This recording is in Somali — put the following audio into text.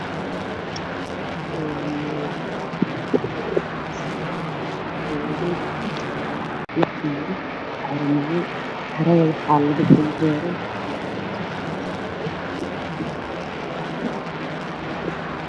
Waa meel fidsan oo wareegsan waxaa lagu beeray waxaana lagu dursubayaa caro l weyn tahay